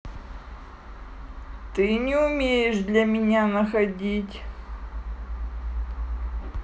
ты не умеешь для меня находить